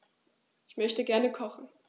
Ich möchte gerne kochen.